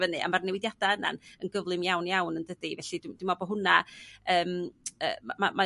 fyny a ma'r newidiada' yna yn gyflym iawn iawn yn dydi? Felly dwi me'l bo' hwna yym y ma-